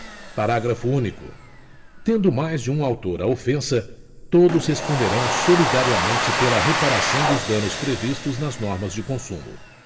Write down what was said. parágrafo único tendo mais de um autor a ofensa todos responderão solidariamente pela reparação dos danos previstos nas normas de consumo